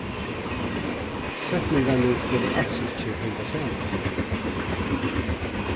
setningarnir skulu als ikki hanga saman